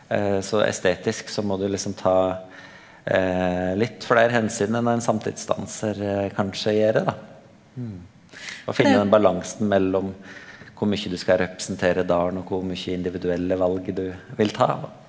så estetisk så må du liksom ta litt fleire omsyn enn ein samtidsdansar kanskje gjer da å finne den balansen mellom kor mykje du skal representere dalen og kor mykje individuelle val du vil ta da.